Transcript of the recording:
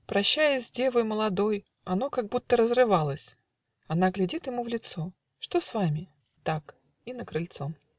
Прощаясь с девой молодой, Оно как будто разрывалось. Она глядит ему в лицо. "Что с вами?" - Так. - И на крыльцо.